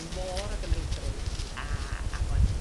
môr o Gymreigrwydd a a bod